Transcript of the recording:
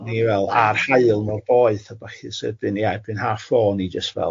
O'n i fel a'r haul mewn boeth a ballu so erbyn ie, erbyn half four o ni jyst fel